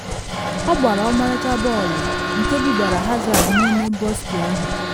Ọ gbara ọmarịcha bọọlụ, nke dubara Hazard n’ime bọksị ahụ.